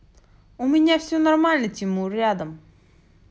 у меня все нормально тимур рядом